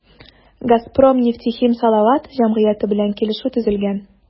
“газпром нефтехим салават” җәмгыяте белән килешү төзелгән.